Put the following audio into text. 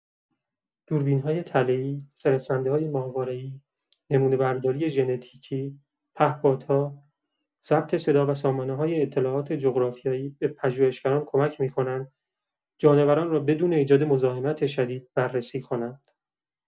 دوربین‌های تله‌ای، فرستنده‌های ماهواره‌ای، نمونه‌برداری ژنتیکی، پهپادها، ضبط صدا و سامانه‌های اطلاعات جغرافیایی به پژوهشگران کمک می‌کنند جانوران را بدون ایجاد مزاحمت شدید بررسی کنند.